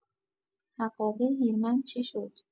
حقابه هیرمند چی شد؟